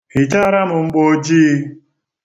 Hichaara m mgboojii.